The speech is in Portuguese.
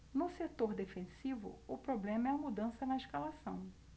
no setor defensivo o problema é a mudança na escalação